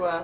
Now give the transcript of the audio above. waaw